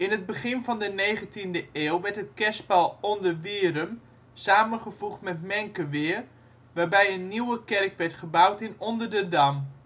het begin van de negentiende eeuw werd het kerspel Onderwierum samengevoegd met Menkeweer, waarbij een nieuwe kerk werd gebouwd in Onderdendam